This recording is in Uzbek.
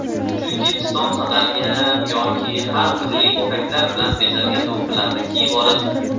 chunki piston qadalgan yoki har turli ipaklar bilan bezalgan do'ppini kiyib olib